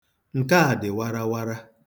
Nke a dị warawara.